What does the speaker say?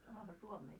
sanohan suomeksi